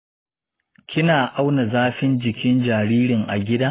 kina auna zafin jiki jaririn a gida?